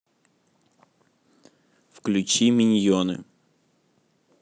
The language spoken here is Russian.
включи миньоны